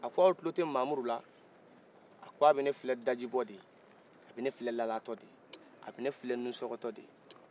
a k'aw tulo tɛ mamudu la a k' a bɛ ne filɛ dajibɔ de ye a bɛ ne filɛ lalatɔ de ye a bɛ ne filɛ nusɔgɔtɔ de ye